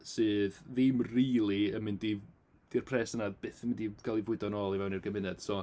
Sydd ddim rili yn mynd i... 'di'r pres yna byth yn mynd i gael ei fwydo nôl i fewn i'r cymuned. So...